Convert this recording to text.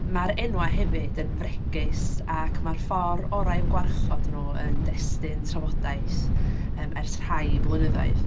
Ma'r enwau hefyd yn fregus, ac ma'r ffordd orau i'w gwarchod nhw yn destun trafodaeth yym ers rhai blynyddoedd.